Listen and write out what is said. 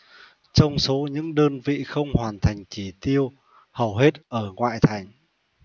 trong số những đơn vị không hoàn thành chỉ tiêu hầu hết ở ngoại thành